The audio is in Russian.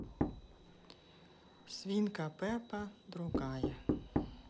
свинка пеппа другая